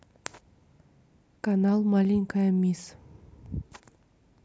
канал маленькая мисс